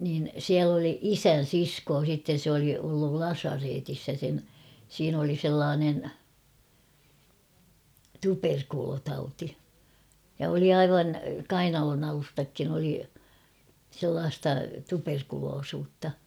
niin siellä oli isän sisko sitten se oli ollut lasaretissa ja sen siinä oli sellainen tuberkuloositauti ja oli aivan kainalonalustatkin oli sellaista tuberkuloisuutta